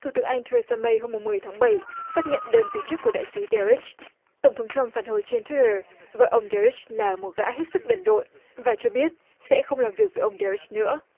thủ tướng anh thê rê xa mây hôm mùng mười tháng bảy xác nhận đơn từ chức của đại sứ đe rớt tổng thống troăm phản hồi trên rớt ờ gọi ông đe rớt là một gã hết sức đần độn và cho biết sẽ không làm việc với ông đe rớt nữa